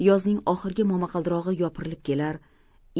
yozning oxirgi momaqaldirog'i yopirilib kelar